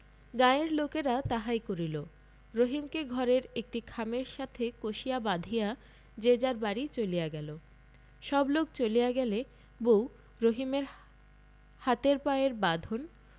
গাঁয়ের লোকেরা তাহাই করিল রহিমকে ঘরের একটি খামের সাথে কষিয়া বাধিয়া যে যার বাড়ি চলিয়া গেল সবলোক চলিয়া গেলে বউ রহিমের হাতের পায়ের বাঁধন